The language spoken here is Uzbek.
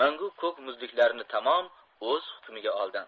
mangu ko'k muzliklarni tamom o'z hukmiga oldi